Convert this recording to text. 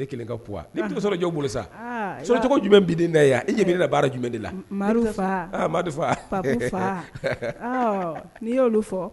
Jumɛn i baara jumɛn de ladui yolu fɔ